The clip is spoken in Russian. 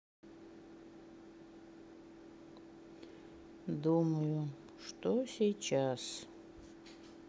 думаю что сейчас